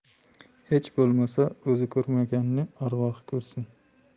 hech bo'lmasa o'zi ko'rmaganni arvohi ko'rsin